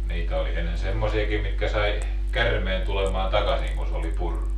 niitä oli ennen semmoisiakin mitkä sai käärmeen tulemaan takaisin kun se oli purrut